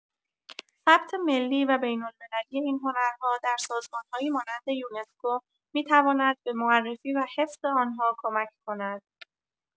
ثبت ملی و بین‌المللی این هنرها در سازمان‌هایی مانند یونسکو می‌تواند به معرفی و حفظ آن‌ها کمک کند.